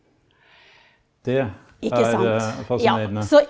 det er fascinerende.